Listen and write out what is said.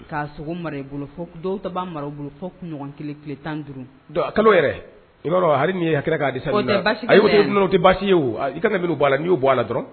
K' sogo bolo dɔw taba bolofɔɲɔgɔn kelen tan duuru kalo yɛrɛ'a nin kira k'a di basi ye bɔ a la nu bɔ' ala dɔrɔn